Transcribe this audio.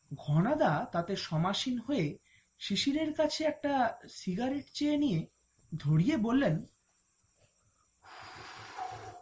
ঘনাদা তাতে সমাসীন হয়ে শিশিরের কাছে একটা সিগারেট টেনে নিয়ে ধরিয়ে বললেন